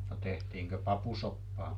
no tehtiinkö papusoppaa